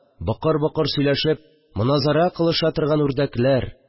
Бокыр-бокыр сөйләшеп моназарә кылыша торган үрдәкләр